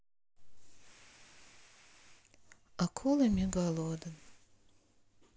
акулы мегалодон